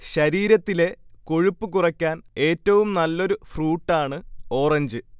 ശരീരത്തിലെ കൊഴുപ്പ് കുറയ്ക്കാൻഏറ്റവും നല്ലൊരു ഫ്രൂട്ടാണ് ഓറഞ്ച്